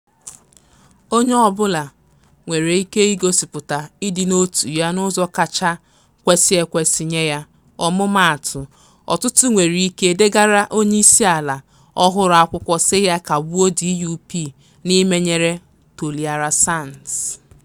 Onye ọbụla nwere ike igosipụta ịdị n'otu ya n'ụzọ kacha kwesị ekwesị nye ya - ọmụmaatụ, ọtụtụ nwere ike degara onyeisiala ọhụrụ akwụkwọ sị ya kagbuo DUP n'imenyere Toliara Sands.